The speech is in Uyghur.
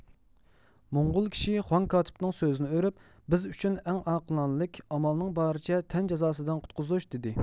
موڭغۇل كىشى خۇاڭ كاتىپنڭ سۆزىنى ئۆرۈپ بىز ئۈچۈن ئەڭ ئاقلانىلىك ئامالنىڭ بارىچە تەن جازاسىدىن قۇتقۇزۇش دىدى